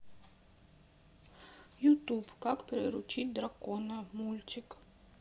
ютуб как приручить дракона мультик